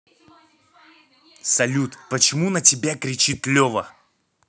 салют почему на тебя кричит лева